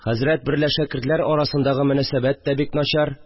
Хәзрәт берлә шәкертләр арасындагы мөнәсәбәт тә бик начар